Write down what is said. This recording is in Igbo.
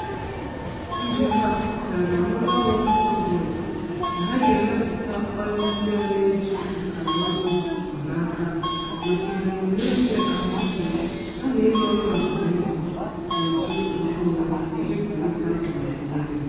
Njikọ a, kwupụtara na Mobile World Congress, na ha ga-emepụta ọrụ ndị na-eji nkànaụzụ mkpanaka maka ebumnuche ahụike yana ịrụ ọrụ ọhanaeze na òtù nkeonwe iji kwalite atụmatụ ndị a.